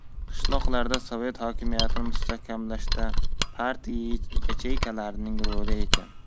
qishloqlarda sovet hokimiyatini mustahkamlashda partiya yacheykalarining ro'li ekan